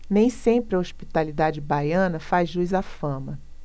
nem sempre a hospitalidade baiana faz jus à fama